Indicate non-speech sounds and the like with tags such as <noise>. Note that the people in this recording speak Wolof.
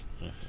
<hesitation> <hesitation>